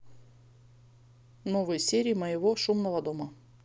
новые серии моего шумного дома